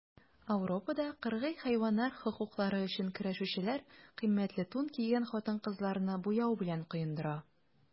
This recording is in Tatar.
Ауропада кыргый хайваннар хокуклары өчен көрәшүчеләр кыйммәтле тун кигән хатын-кызларны буяу белән коендыра.